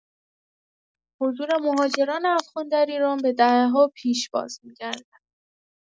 حضور مهاجران افغان در ایران به دهه‌ها پیش بازمی‌گردد.